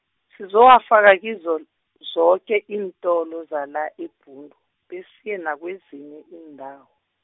sizowafaka kizo, zoke iintolo zala eBhundu, besiye nakwezinye iindawo.